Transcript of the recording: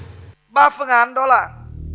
ba phương án đó là